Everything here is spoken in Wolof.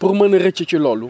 pour mën a rëcc ci loolu